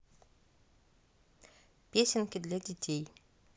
песенки для детей